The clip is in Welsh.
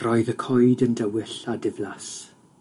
Roedd y coed yn dywyll a diflas